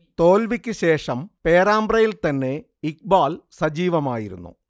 തോൽവിക്ക് ശേഷം പേരാമ്പ്രയിൽ തന്നെ ഇഖ്ബാൽ സജീവമായിരുന്നു